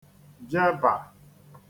jebà